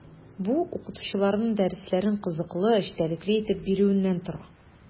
Бу – укытучыларның дәресләрен кызыклы, эчтәлекле итеп бирүеннән тора.